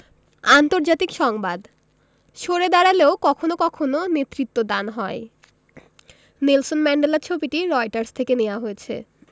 আন্তর্জাতিক সংবাদ সরে দাঁড়ালেও কখনো কখনো নেতৃত্বদান হয় নেলসন ম্যান্ডেলার ছবিটি রয়টার্স থেকে নেয়া হয়েছে